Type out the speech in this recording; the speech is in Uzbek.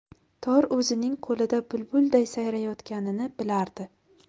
tor o'zining qo'lida bulbulday sayrayotganini bilardi